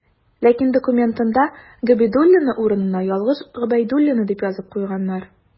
Ләкин документына «Габидуллина» урынына ялгыш «Гобәйдуллина» дип язып куйганнар.